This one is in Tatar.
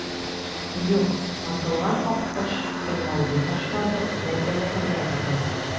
Юк, атылган аккош кыймылдый башлады, бәргәләнергә тотынды.